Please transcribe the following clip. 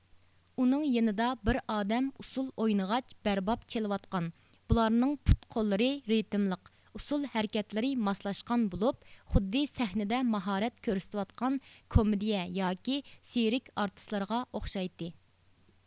ئۇنىڭ يېنىدا بىر ئادەم ئۇسسۇل ئوينىغاچ بەرباب چېلىۋاتقان بۇلارنىڭ پۇت قوللىرى رېتىملىق ئۇسسۇل ھەرىكەتلىرى ماسلاشقان بولۇپ خۇددى سەھنىدە ماھارەت كۆرسىتىۋاتقان كومېدىيە ياكى سېرك ئارتىسلىرىغا ئوخشايتتى